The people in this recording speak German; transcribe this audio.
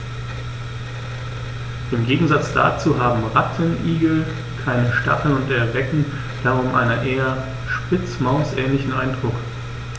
Im Gegensatz dazu haben Rattenigel keine Stacheln und erwecken darum einen eher Spitzmaus-ähnlichen Eindruck.